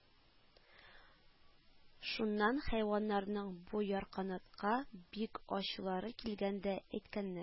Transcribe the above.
Шуннан хайваннарның бу ярканатка бик ачулары килгән дә әйткәннәр: